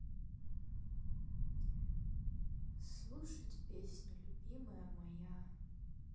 слушать песню любимая моя